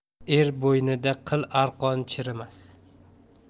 er bo'ynida qil arqon chirimas